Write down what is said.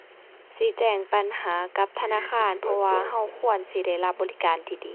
สิแจ้งปัญหากับธนาคาร เพราะว่าเราควรสิได้รับบริการดีดี